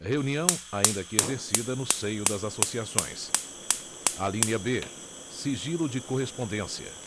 reunião ainda que exercida no seio das associações alínea b sigilo de correspondência